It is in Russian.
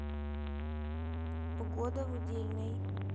погода в удельной